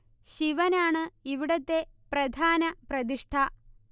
ശിവനാണ് ഇവിടത്തെ പ്രധാന പ്രതിഷ്ഠ